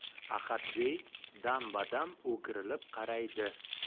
ahadbey dam badam o'girilib qaraydi